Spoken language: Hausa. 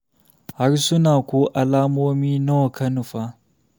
Harsuna ko al'ummomi nawa ka nufa?